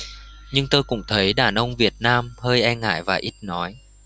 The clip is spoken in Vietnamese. nhưng tôi cũng thấy đàn ông việt nam hơi e ngại và ít nói